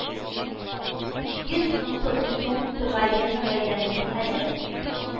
Йөз утыз сум тәгаен гаиләнең хәлен